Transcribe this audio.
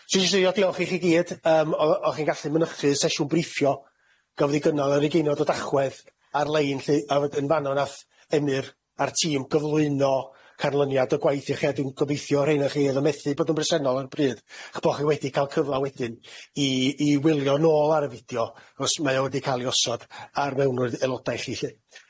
So jyst rio diolch i chi gyd yym o- o' chi'n gallu mynychdu sesiwn briffio, gafodd i gynnal yr ugeinod o dachwedd ar-lein lly a wedyn fan'o nath Emyr a'r tîm gyflwyno canlyniad y gwaith i chi, a dwi'n gobeithio rheina chi o'dd yn methu bod yn bresennol ar y pryd a bo' chi wedi ca'l cyfla wedyn i i wylio nôl ar y fideo os mae o wedi ca'l ei osod ar mewnwyrd aeloda' i chi lly.